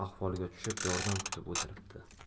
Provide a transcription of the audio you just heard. ahvolga tushib yordam kutib o'tiribdi